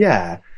ie.